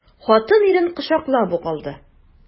Хатын ирен кочаклап ук алды.